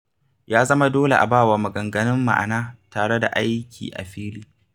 Ya zama dole a ba wa maganganun ma'ana tare da aiki a fili.